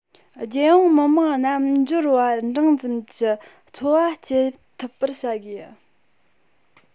རྒྱལ ཡོངས མི དམངས རྣམས འབྱོར པ འབྲིང ཙམ གྱི འཚོ བ སྐྱེལ ཐུབ པར བྱ དགོས